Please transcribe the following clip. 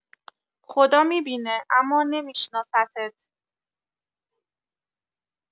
خدا می‌بینه اما نمیشناستت